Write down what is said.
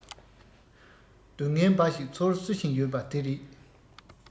སྡུག བསྔལ འབའ ཞིག ཚུར བསུ བཞིན ཡོད པ དེ རེད